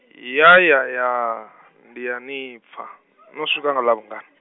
ya ya ya , ndi a nipfa, no swika nga ḽa vhungana?